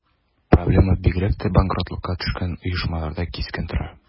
Проблема бигрәк тә банкротлыкка төшкән оешмаларда кискен тора.